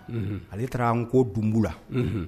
Ale taara an ko dunbu la